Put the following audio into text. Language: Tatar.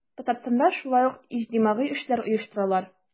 Татарстанда шулай ук иҗтимагый эшләр оештыралар.